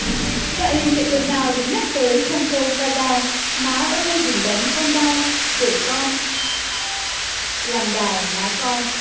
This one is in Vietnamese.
loại hình nghệ thuật nào được nhắc tới trong câu ca dao má ơi đừng đánh con đau để con làm đào má coi